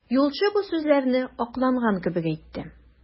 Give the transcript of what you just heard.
Юлчы бу сүзләрне акланган кебек әйтте.